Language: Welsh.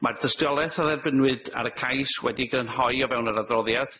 Mae'r dystiolaeth a dderbyniwyd ar y cais wedi'i grynhoi o fewn yr adroddiad.